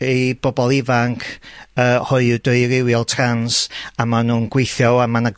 i bobol ifanc yy hoyw dwyrywiol trans, a ma' nw'n gweithio ŵan ma' 'na